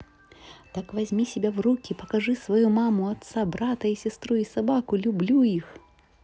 так возьми себя в руки покажи свою маму отца брата и сестру и собаку люблю их